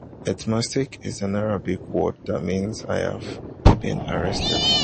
Etmasakt is an Arabic word that means “I've been arrested”.